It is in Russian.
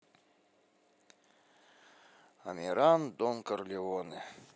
амеран дон карлеоне